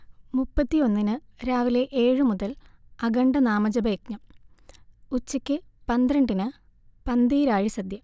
മുപ്പത്തിയൊന്നിന് രാവിലെ ഏഴുമുതൽ അഖണ്ഡ നാമജപയജ്ഞം, ഉച്ചയ്ക്ക് പന്ത്രണ്ടിന് പന്തീരാഴിസദ്യ